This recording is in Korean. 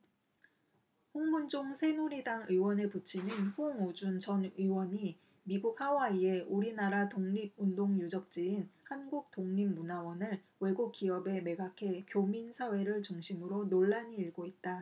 홍문종 새누리당 의원의 부친인 홍우준 전 의원이 미국 하와이의 우리나라 독립운동 유적지인 한국독립문화원을 외국 기업에 매각해 교민 사회를 중심으로 논란이 일고 있다